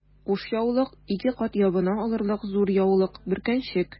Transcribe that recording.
Кушъяулык— ике кат ябына алырлык зур яулык, бөркәнчек...